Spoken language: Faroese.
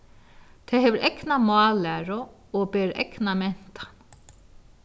tað hevur egna mállæru og ber egna mentan